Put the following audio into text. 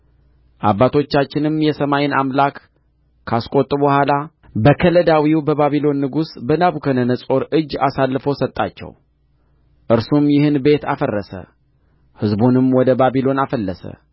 አባቶቻችንም የሰማይን አምላክ ካስቈጡ በኋላ በከለዳዊው በባቢሎን ንጉሥ በናቡከደነፆር እጅ አሳልፎ ሰጣቸው እርሱም ይህን ቤት አፈረሰ ሕዝቡንም ወደ ባቢሎን አፈለሰ